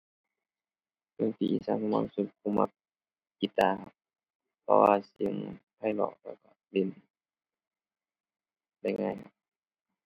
เครื่องดนตรีอีสานที่มักที่สุด ผมมักกีตาร์ เพราะว่าเสียงไพเราะครับ เล่นได้ง่าย